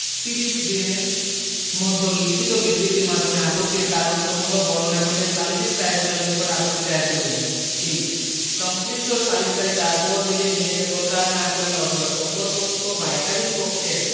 ত্রিশ দিনের মধ্য লিখিত বিবৃতির মাধ্যমে আপত্তির কারণসমূহ বর্ণনা করিয়া সালিসী ট্রইব্যুনালের নিকট আপত্তি দায়ের করিবে ৩ সংশ্লিষ্ট সালিসকারী তাহার পদ হইতে নিজেকে প্রত্যাহার না করিলে অথবা অপর পক্ষ বা একাধিক পক্ষের